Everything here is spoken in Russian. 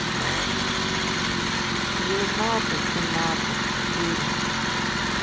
девятнадцать семнадцать фильм